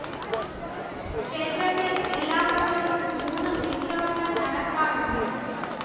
ക്ഷേത്രത്തിൽ എല്ലാ വർഷവും മൂന്ന് ഉത്സവങ്ങൾ നടക്കാറുണ്ട്